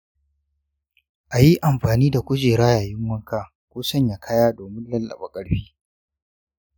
a yi amfani da kujera yayin wanka ko sanya kaya domin lallaɓa ƙarfi.